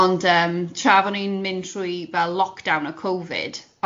Ond yym tra fo' ni'n mynd trwy fel lockdown a Covid,